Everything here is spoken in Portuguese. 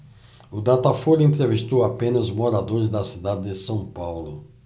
o datafolha entrevistou apenas moradores da cidade de são paulo